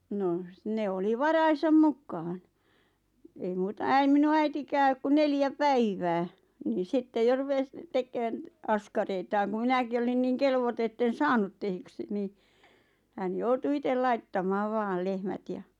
no - ne oli varojensa mukaan ei muuta - minun äitikään ole kuin neljä päivää niin sitten jo rupesi tekemään askareitaan kun minäkin olin niin kelvoton että en saanut tehdyksi niin hän joutui itse laittamaan vain lehmät ja